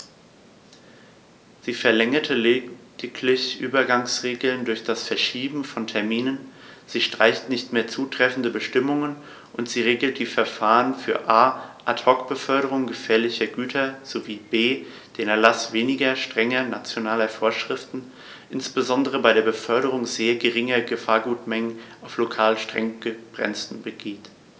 Sie verlängert lediglich Übergangsregeln durch das Verschieben von Terminen, sie streicht nicht mehr zutreffende Bestimmungen, und sie regelt die Verfahren für a) Ad hoc-Beförderungen gefährlicher Güter sowie b) den Erlaß weniger strenger nationaler Vorschriften, insbesondere bei der Beförderung sehr geringer Gefahrgutmengen auf lokal streng begrenzten Gebieten.